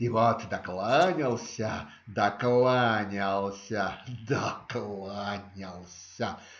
И вот докланялся, докланялся, докланялся!.